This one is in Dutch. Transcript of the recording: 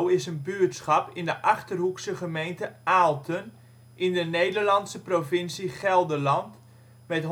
is een buurtschap in de Achterhoekse gemeente Aalten, in de Nederlandse provincie Gelderland, met